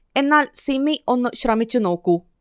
എന്നാൽ സിമി ഒന്നു ശ്രമിച്ചു നോക്കൂ